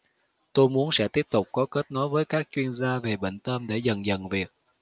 tôi muốn sẽ tiếp tục có kết nối với các chuyên gia về bệnh tôm để dần dần việt